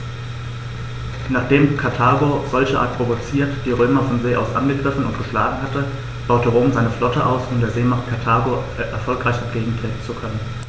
Nachdem Karthago, solcherart provoziert, die Römer von See aus angegriffen und geschlagen hatte, baute Rom seine Flotte aus, um der Seemacht Karthago erfolgreich entgegentreten zu können.